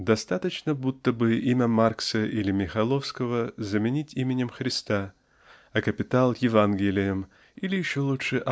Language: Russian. Достаточно будто бы имя Маркса или Михайловского заменить именем Христа а "Капитал" Евангелием или еще лучше